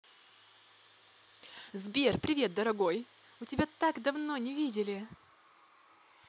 сбер привет дорогой у тебя так давно не видели